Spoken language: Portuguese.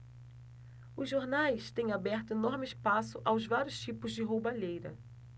os jornais têm aberto enorme espaço aos vários tipos de roubalheira